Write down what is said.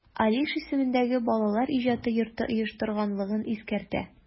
Алиш исемендәге Балалар иҗаты йорты оештырганлыгын искәртә.